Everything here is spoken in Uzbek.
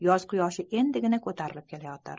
yoz quyoshi endigina ko'tarilib kelayotir